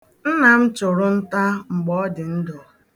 Nna m chụrụ nta mgbe ọ dị ndụ.